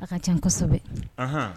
Aw ka ca kosɛbɛ